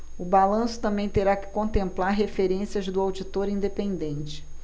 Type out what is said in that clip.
o balanço também terá que contemplar referências do auditor independente